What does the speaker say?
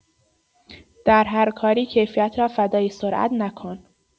در هر کاری کیفیت را فدای سرعت نکن.